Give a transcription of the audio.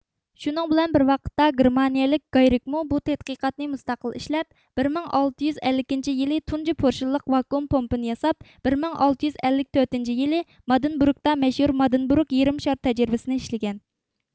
شۇنىڭ بىلەن بىر ۋاقىتتا گېرمانىيىلىك گايرىكمۇ بۇ تەتقىقاتنى مۇستەقىل ئىشلەپ بىر مىڭ ئالتە يۈز ئەللىكىنچى يىلى تۇنجى پۇرشىنلىق ۋاكۇئۇم پومپىنى ياساپ بىر مىڭ ئالتە يۈز ئەللىك تۆتىنچى يىلى مادىنبورۇگتا مەشھۇر مادېنبورۇگ يېرىم شار تەجرىبىسىنى ئىشلىگەن